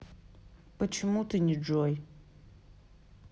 почему ты не джой